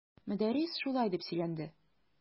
Мөдәррис шулай дип сөйләнде.